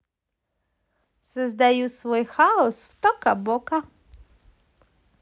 создаю свой хаос в toca boca